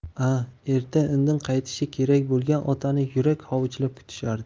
a erta indin qaytishi kerak bo'lgan otani yurak hovuchlab kutishardi